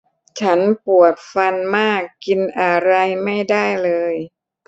ฉันปวดฟันมากกินอะไรไม่ได้เลย